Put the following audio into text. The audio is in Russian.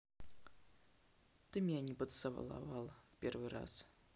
ты меня не поцеловал в первый раз